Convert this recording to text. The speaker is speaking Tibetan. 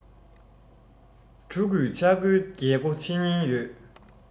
ཕྲུ གུས ཆག སྒོའི རྒྱལ སྒོ ཕྱེ ཉེན ཡོད